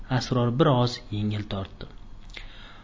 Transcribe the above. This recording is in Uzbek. sror bir oz yengil tortdi